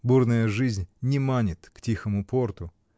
Бурная жизнь не манит к тихому порту.